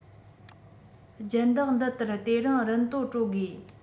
སྦྱིན བདག འདི ལྟར དེ རིང རིན དོད སྤྲོད དགོས